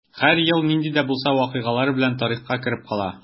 Һәр ел нинди дә булса вакыйгалары белән тарихка кереп кала.